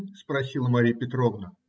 - спросила Марья Петровна.